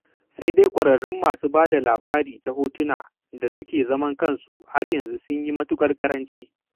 Sai dai ƙwararrun masu ba da labari ta hotuna da suke zaman kansu har yanzu sun yi matuƙar ƙaranci.